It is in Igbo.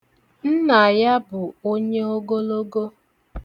Nna ya bụ onye ogologo.